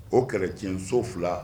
O kɛlɛ cinso fila